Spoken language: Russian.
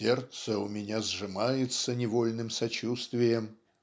"Сердце у меня сжимается невольным сочувствием"